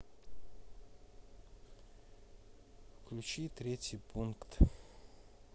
включи третий пункт